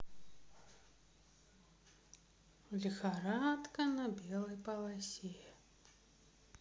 лихорадка на белой полосе